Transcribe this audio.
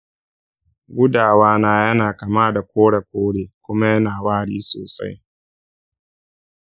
gudawana yana kama da kore-kore kuma yana wari sosai.